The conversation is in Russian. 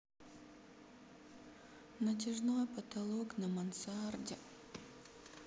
натяжной потолок на мансарде